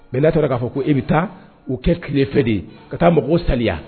Bɛɛ'a taara k'a fɔ ko e bɛ taa u kɛ tilefɛ de ka taa mɔgɔw saya